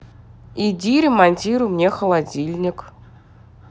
иди ремонтируй мне холодильник